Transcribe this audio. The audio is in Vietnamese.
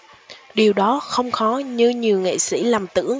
điều đó không khó như nhiều nghệ sỹ lầm tưởng